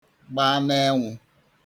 gba n'enwụ